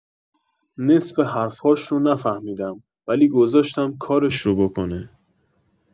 نصف حرف‌هاش رو نفهمیدم، ولی گذاشتم کارش رو بکنه.